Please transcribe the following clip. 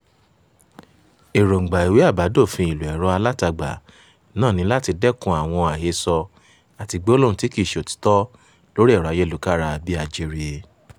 Èròńgbà ìwé àbádòfin ìlò ẹ̀rọ alátagbà náà ni láti dẹ́kun àwọn àhesọ àti gbólóhùn tí kì í ṣe òtítọ́ lórí ẹ̀rọ ayélukára bí ajere.